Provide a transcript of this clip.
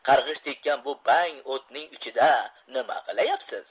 qarg'ish tekkan bu bang o'tning ichida nima qilyapsiz